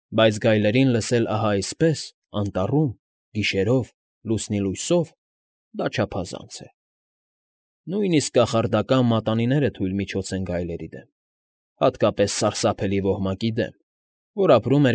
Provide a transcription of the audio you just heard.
Բայց գայլերին լսել ահա այսպես, անտառում, գիշերով, լուսնի լույսով, դա չափազանց է… Նույնիսկ կախարդական մատանիները թույլ միջոց են գայլերի դեմ, հատկապես սարսափելի ոհմակի դեմ, որ ապրում։